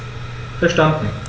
Verstanden.